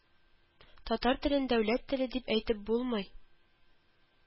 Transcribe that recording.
Татар телен дәүләт теле дип әйтеп булмый